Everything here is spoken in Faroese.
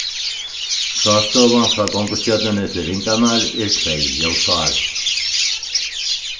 frástøðan frá gongustjørnuni til ringarnar er tvey ljósár